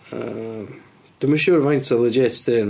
Yym dwi'm yn siŵr faint mor legit 'di hyn.